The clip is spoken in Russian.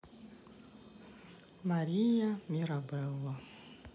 мария мирабелла